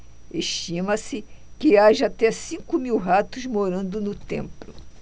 estima-se que haja até cem mil ratos morando no templo